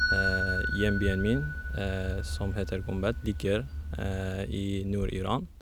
Hjembyen min, som heter Gonbad, ligger i Nord-Iran.